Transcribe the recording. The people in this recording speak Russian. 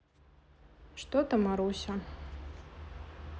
что то маруся